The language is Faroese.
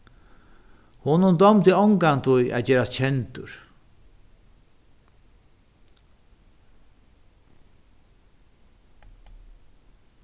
honum dámdi ongantíð at gerast kendur